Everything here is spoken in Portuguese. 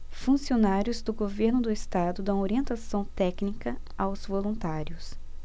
funcionários do governo do estado dão orientação técnica aos voluntários